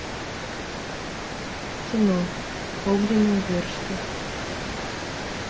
кино огненные версты